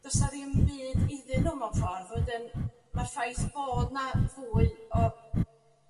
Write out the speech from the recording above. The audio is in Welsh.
do's 'na ddim byd iddyn nhw mewn ffordd wedyn ma'r ffaith bod 'na fwy o